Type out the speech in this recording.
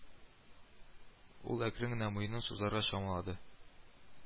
Ул әкрен генә муенын сузарга чамалады